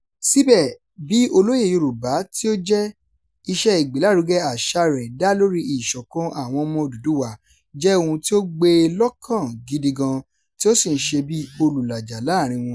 Síbẹ̀, bí olóyè Yorùbá tí ó jẹ́, iṣẹ́ ìgbélárugẹ àṣà rẹ̀ dá lórí ìṣọ̀kan àwọn ọmọ Odùduwà jẹ́ ohun tí ó gbé e lọ́kàn gidi gan-an, tí ó sì ń ṣe bí olùlàjà láàárín wọn.